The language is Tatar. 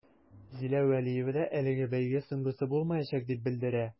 Зилә вәлиева да әлеге бәйге соңгысы булмаячак дип белдерә.